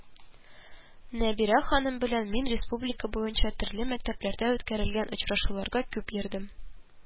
“нәбирә ханым белән мин республика буенча төрле мәктәпләрдә үткәрелгән очрашуларга күп йөрдем